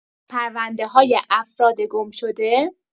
پرونده‌‌های افراد گم‌شده